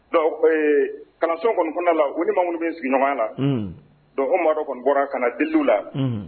Kana sɔn kɔni kɔnɔna la u ni ma minnuum bɛ sigi na madɔ kɔni bɔra kana na di la